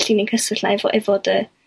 llinyn cyswllt 'na efo, efo dy